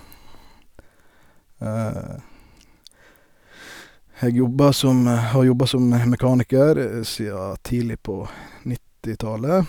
Jeg jobba som har jobba som mekaniker sia tidlig på nittitallet.